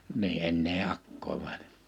niin enää akkojen väellä